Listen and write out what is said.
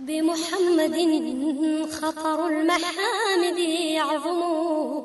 Denmumusonintangɛnin yo